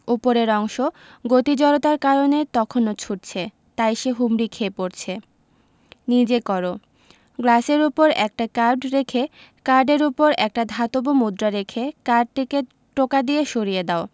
ওপরের অংশ গতি জড়তার কারণে তখনো ছুটছে তাই সে হুমড়ি খেয়ে পড়ছে নিজে কর গ্লাসের উপর একটা কার্ড রেখে কার্ডের উপর একটা ধাতব মুদ্রা রেখে কার্ডটিকে টোকা দিয়ে সরিয়ে দাও